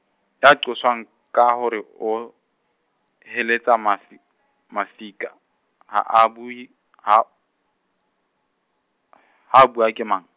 ya qoswang ka hore o heletsa mafi-, mafika ha a bue- ha , ha a bua ke mang?